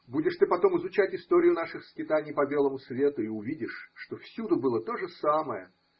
Будешь ты потом изучать историю наших скитаний по белому свету и увидишь, что всюду было то же самое.